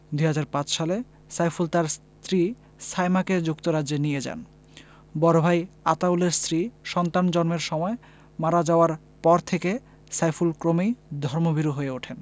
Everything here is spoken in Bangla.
২০০৫ সালে সাইফুল তাঁর স্ত্রী সায়মাকে যুক্তরাজ্যে নিয়ে যান বড় ভাই আতাউলের স্ত্রী সন্তান জন্মের সময় মারা যাওয়ার পর থেকে সাইফুল ক্রমেই ধর্মভীরু হয়ে ওঠেন